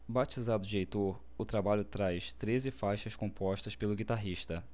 batizado de heitor o trabalho traz treze faixas compostas pelo guitarrista